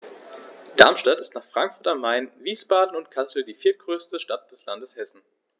Darmstadt ist nach Frankfurt am Main, Wiesbaden und Kassel die viertgrößte Stadt des Landes Hessen